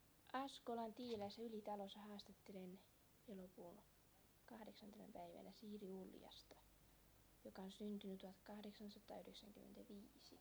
Askolan Tiiläässä Ylitalossa haastattelen elokuun kahdeksantena päivänä Siiri Uljasta joka on syntynyt tuhatkahdeksansataa yhdeksänkymmentäviisi